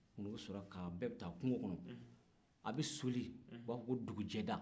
bɛɛ bɛ taa kungo kɔnɔ aw bɛ soli u b'a fɔ ko dugujɛda